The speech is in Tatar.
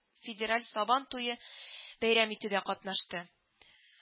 Федераль сабан туе бәйрәм итүдә катнашты